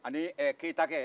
ani ɛɛ ketacɛ